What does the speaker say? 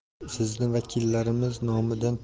sizni vakillarimiz nomidan